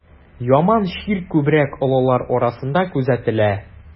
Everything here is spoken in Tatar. Яман чир күбрәк олылар арасында күзәтелә.